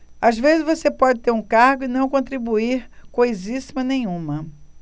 às vezes você pode ter um cargo e não contribuir coisíssima nenhuma